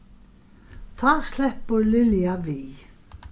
tá sleppur lilja við